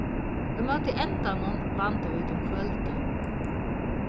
ímóti endanum vandu vit um kvøldið